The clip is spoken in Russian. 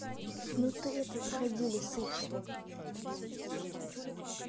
ну ты это заходили сыче